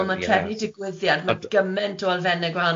ond ma' trefnu digwyddiad ma' gyment o elfenne gwahanol i